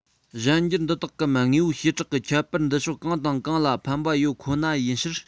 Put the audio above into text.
གཞན འགྱུར འདི དག གམ དངོས པོའི བྱེ བྲག གི ཁྱད པར འདི ཕྱོགས གང དང གང ལ ཕན པ ཡོད ཁོ ན ཡིན ཕྱིན